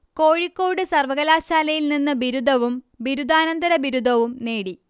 കോഴിക്കോട് സർവകലാശായിൽ നിന്ന് ബിരുദവും ബിരുദാനന്തര ബിരുദവും നേടി